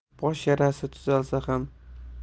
bosh yarasi tuzalsa